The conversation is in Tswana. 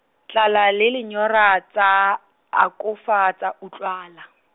tlala le lenyora tsa, akofa tsa utlwala.